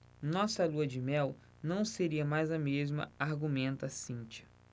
nossa lua-de-mel não seria mais a mesma argumenta cíntia